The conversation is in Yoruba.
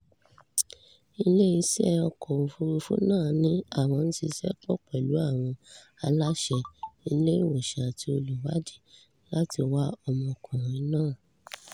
Ilé-iṣẹ́ ọkọ̀-òfúrufú náà ní àwọn ń ṣiṣẹ́ pọ̀ pẹ̀lú àwọn aláṣẹ, ilé-ìwòsaǹ àti olùwádìí láti wá ọmọkùnrin náà.